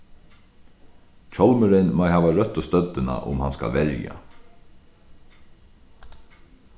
hjálmurin má hava røttu støddina um hann skal verja